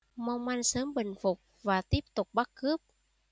mong anh sớm bình phục và tiếp tục bắt cướp